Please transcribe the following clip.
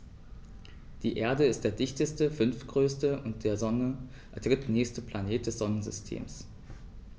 Die Erde ist der dichteste, fünftgrößte und der Sonne drittnächste Planet des Sonnensystems.